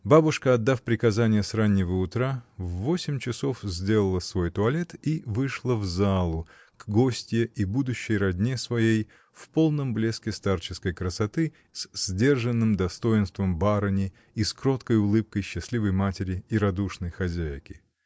Бабушка, отдав приказания с раннего утра, в восемь часов сделала свой туалет и вышла в залу, к гостье и будущей родне своей, в полном блеске старческой красоты, с сдержанным достоинством барыни и с кроткой улыбкой счастливой матери и радушной хозяйки.